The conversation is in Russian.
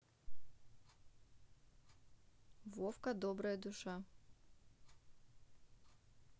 вовка добрая душа